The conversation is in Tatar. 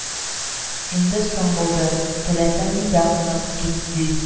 – инде соң булды, теләсәң миндә кунып кит, – ди